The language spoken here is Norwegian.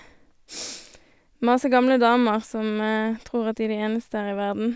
Masse gamle damer som tror at de er de eneste her i verden.